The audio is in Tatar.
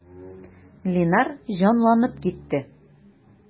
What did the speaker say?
Линар җанланып китте.